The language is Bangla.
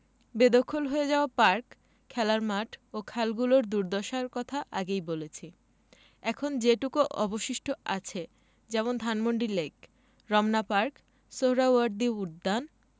বেদখল হয়ে যাওয়া পার্ক খেলার মাঠ ও খালগুলোর দুর্দশার কথা আগেই বলেছি এখন যেটুকু অবশিষ্ট আছে যেমন ধানমন্ডি লেক রমনা পার্ক সোহ্রাওয়ার্দী উদ্যান